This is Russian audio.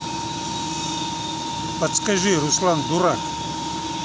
подскажи руслан дурак